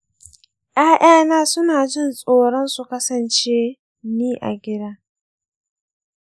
‘ya’yana suna jin tsoro su kusance ni a gida.